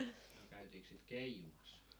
no käytiinkös sitä keijumassa